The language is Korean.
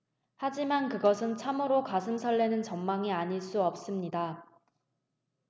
하지만 그것은 참으로 가슴 설레는 전망이 아닐 수 없습니다